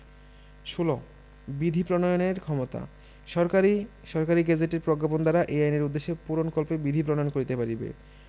১৬ বিধি প্রণয়নের ক্ষমতাঃ সরকার সরকারী গেজেটে প্রজ্ঞাপন দ্বারা এই আইনের উদ্দেশ্য পূরণকল্পে বিধি প্রণয়ন করিতে পারিবে ১৭